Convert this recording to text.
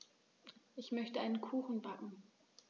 Ich möchte einen Kuchen backen.